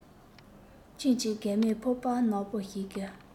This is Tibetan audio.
ཁྱིམ གྱི རྒན མོས ཕོར པ ནག པོ ཞིག གི